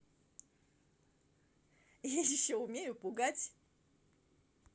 я еще умею пугать